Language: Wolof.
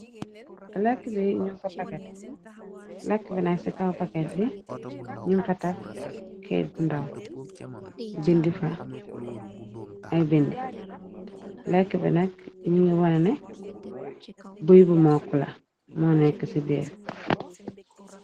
lekk bi ñu ko pakate lekk bi nak ci kaw paket bi num pataf kayt ndaw bindi fa ay bindi lekk bi nakk ñi ngi wona ne buy bu mokkula moo nekk ci diir